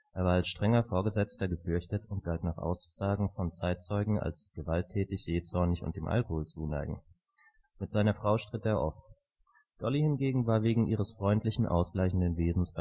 als strenger Vorgesetzter gefürchtet und galt nach Aussagen von Zeitzeugen als gewalttätig, jähzornig und dem Alkohol zuneigend; mit seiner Frau stritt er oft. Dolly hingegen war wegen ihres freundlichen, ausgleichenden Wesens